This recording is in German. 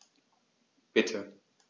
Bitte.